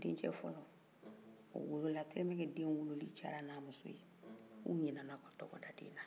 dencɛ fɔlɔ o wolo la tellement que den wololi diyar'a n'a muso ye u ɲinɛna tɔgɔ da den na